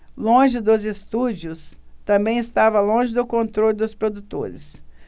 longe dos estúdios também estava longe do controle dos produtores